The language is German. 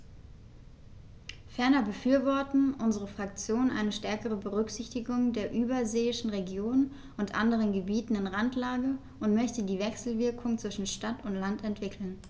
Ferner befürwortet unsere Fraktion eine stärkere Berücksichtigung der überseeischen Regionen und anderen Gebieten in Randlage und möchte die Wechselwirkungen zwischen Stadt und Land entwickeln.